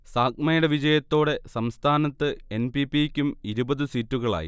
Zag മയുടെ വിജയത്തോടെ സംസ്ഥാനത്ത്എൻ. പി. പി. ക്കും ഇരുപത് സീറ്റുകളായി